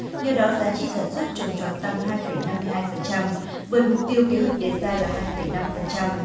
nhờ đó giá trị sản xuất trồng trọt tăng hai phẩy năm mươi hai phần trăm vượt mục tiêu kế hoạch đề ra là hai phẩy năm phần trăm